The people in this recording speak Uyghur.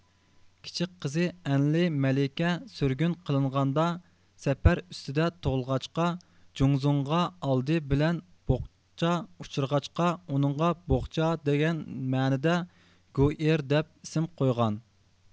كىچىك قىزى ئەنلې مەلىكە سۈرگۈن قىلنغاندا سەپەر ئۈستىدە تۇغۇلغاچقا جۇڭزۇڭغا ئالدى بىلەن بوقچا ئۇچرىغاچقا ئۇنىڭغا بوقچا دېگەن مەنىدە گۇئېر دەپ ئىسم قويغان